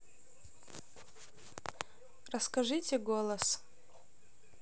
расскажите голос